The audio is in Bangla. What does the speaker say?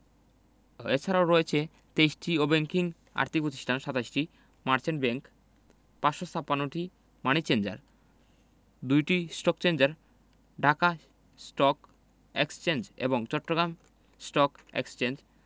এছাড়াও রয়েছে ২৩টি অব্যাংকিং আর্থিক প্রতিষ্ঠান ২৭টি মার্চেন্ট ব্যাংকার ৫৫৬টি মানি চেঞ্জার ২টি stock exchange Dhaka stock exchange এবং চট্টগ্রাম স্টক এক্সচেঞ্জ